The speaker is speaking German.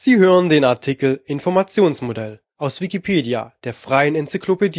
hören den Artikel Informationsmodell, aus Wikipedia, der freien Enzyklopädie